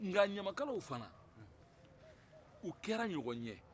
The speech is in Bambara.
nka ɲamakalaw fɛn u kɛra ɲɔgɔn ɲɛ